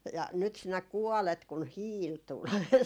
ja nyt sinä kuolet kun hiili tuli